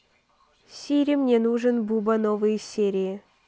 сири мне нужен буба новые серии